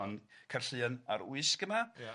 ond Caerllion ar Wysg yma... Ia...